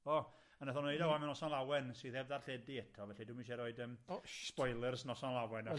O, a wnath o wneud o ŵan mewn noson lawen sydd heb ddarlledu eto, felly dwi'm isie roid yym spoilers noson lawen allan.